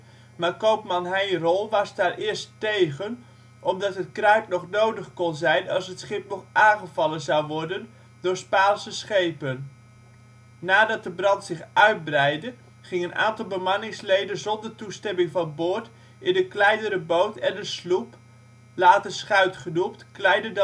Rol was daar eerst tegen omdat het kruit nog nodig kon zijn als het schip nog aangevallen zou worden door Spaanse schepen. Nadat de brand zich uitbreidde ging een aantal bemanningsleden zonder toestemming van boord in een (kleinere) boot en een sloep (later schuit genoemd, kleiner